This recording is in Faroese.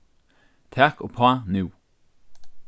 tak uppá nú